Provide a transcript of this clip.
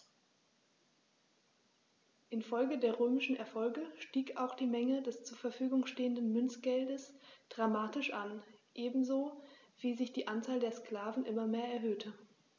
Infolge der römischen Erfolge stieg auch die Menge des zur Verfügung stehenden Münzgeldes dramatisch an, ebenso wie sich die Anzahl der Sklaven immer mehr erhöhte.